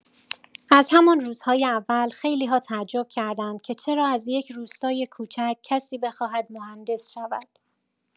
از همان روزهای اول خیلی‌ها تعجب کردند که چرا از یک روستای کوچک کسی بخواهد مهندس شود.